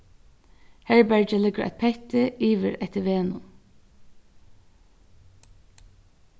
herbergið liggur eitt petti yvir eftir vegnum